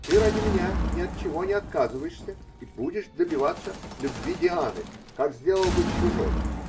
ты ради меня ни от чего не отказываешься и будешь добиваться любви Дианы, как сделал бы чужой